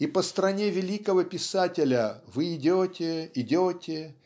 и по стране великого писателя вы идете идете